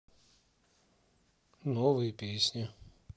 новые песни